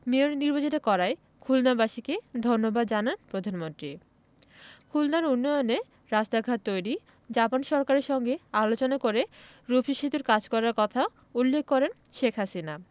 mayor নির্বাচিত করায় খুলনাবাসীকে ধন্যবাদ জানান প্রধানমন্ত্রী খুলনার উন্নয়নে রাস্তাঘাট তৈরি জাপান সরকারের সঙ্গে আলোচনা করে রূপসা সেতুর কাজ করার কথা উল্লেখ করেন শেখ হাসিনা